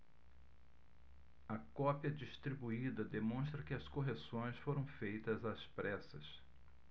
a cópia distribuída demonstra que as correções foram feitas às pressas